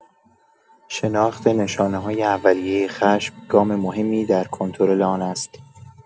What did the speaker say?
شناخت نشانه‌های اولیه خشم، گام مهمی در کنترل آن است.